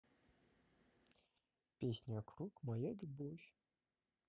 песня круг моя любовь